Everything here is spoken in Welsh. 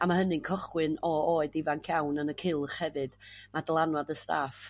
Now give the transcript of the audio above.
a ma' hynny'n cychwyn o oed ifanc iawn yn y Cylch hefyd ma' dylanwad y staff